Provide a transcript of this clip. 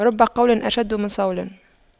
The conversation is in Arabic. رب قول أشد من صول